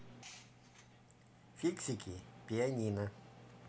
фиксики пианино